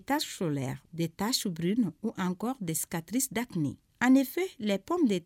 Ririsida fɛ laɔn de